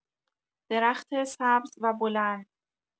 درخت سبز و بلند